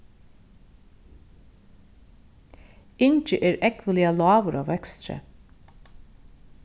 ingi er ógvuliga lágur á vøkstri